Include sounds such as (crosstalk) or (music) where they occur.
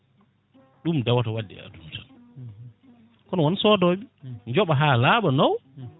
ɗum tawta wadde e aduna tan (smacks lips) kono woon soodoɓe jooɓa ha laaɓa nawa